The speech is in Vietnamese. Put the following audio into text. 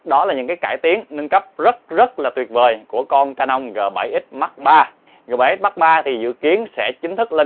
đó là những nâng cấp rất tuyệt vời của con g x mark iii g x mark iii dự kiến sẽ chính thức lên kệ